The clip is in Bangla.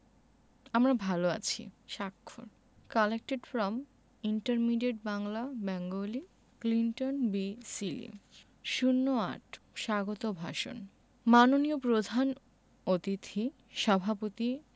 আমরা ভালো আছি স্বাক্ষর collected from intermediate Bangla Bengali Clinton B সিলি ০৮ স্বাগত ভাষণ মাননীয় প্রধান অতিথি সভাপতি